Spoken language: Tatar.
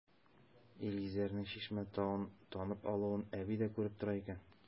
Илгизәрнең Чишмә тавын танып алуын әби дә күреп тора икән.